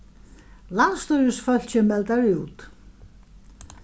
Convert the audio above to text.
landsstýrisfólkið meldar út